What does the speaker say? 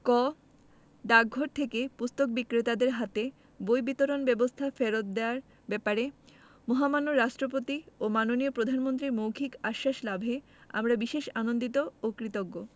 ক ডাকঘর থেকে পুস্তক বিক্রেতাদের হাতে বই বিতরণ ব্যবস্থা ফেরত দেওয়ার ব্যাপারে মহামান্য রাষ্ট্রপতি ও মাননীয় প্রধানমন্ত্রীর মৌখিক আশ্বাস লাভে আমরা বিশেষ আনন্দিত ও কৃতজ্ঞ